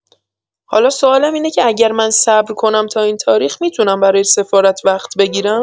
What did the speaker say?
حالا سوالم اینه که اگر من صبر کنم تا این تاریخ می‌تونم برای سفارت وقت بگیرم؟